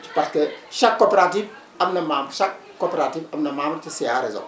ci parce que chaque coopérative am na membre chaque coopérative am na membre ci CA Resop